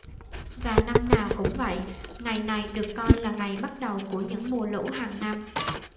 và năm nào cũng vậy ngày này được coi là ngày bắt đầu của những mùa lũ hàng năm